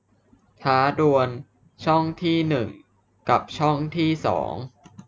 ท้าดวลช่องที่หนึ่งกับช่องที่สอง